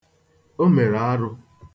O mere arụ.